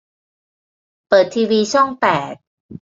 เปิดทีวีช่องแปด